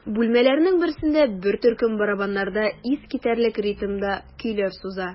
Бүлмәләрнең берсендә бер төркем барабаннарда искитәрлек ритмда көйләр суза.